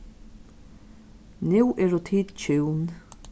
nú eru tit hjún